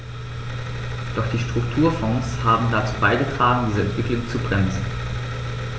Doch die Strukturfonds haben dazu beigetragen, diese Entwicklung zu bremsen.